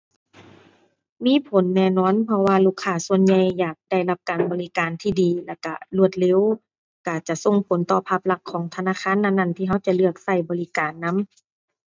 มีผลแน่นอน เพราะว่าลูกค้าส่วนใหญ่อยากได้รับการบริการที่ดีแล้วก็รวดเร็ว ก็จะส่งผลต่อภาพลักษณ์ของธนาคารนั้นนั้นที่ก็จะเลือกก็บริการนำ